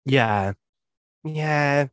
Ie... ie?